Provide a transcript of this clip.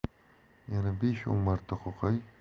yana besh o'n marta qoqay